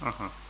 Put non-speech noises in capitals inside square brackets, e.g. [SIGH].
[HESITATION] [HESITATION]